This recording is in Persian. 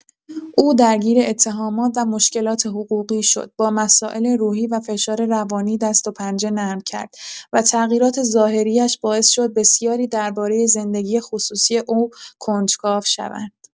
او درگیر اتهامات و مشکلات حقوقی شد، با مسائل روحی و فشار روانی دست‌وپنجه نرم کرد و تغییرات ظاهری‌اش باعث شد بسیاری درباره زندگی خصوصی او کنجکاو شوند.